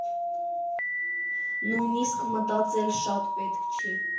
Նույնիսկ մտածել շատ պետք չի։